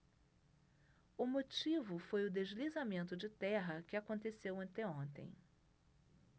o motivo foi o deslizamento de terra que aconteceu anteontem